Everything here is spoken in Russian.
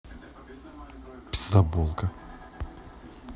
пиздаболка